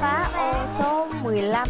phá ô số mười lăm